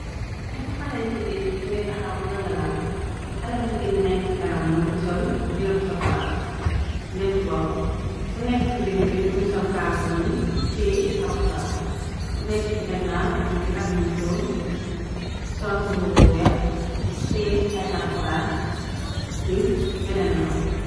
Nyetti xalayi jigéen ñi ngi taxaw lëngalante xala bi jigéen bi nekk ci kanam na mingi sol jira bu sokola lettu bopp ku nekk ci digg bi mi ngi sol kaala buñu tée arkuraan ku nekk ci gannaaw mu ngi tàkk mu sóor sol bu bu weex tée ay ar kuraan ci beneen lu xomt.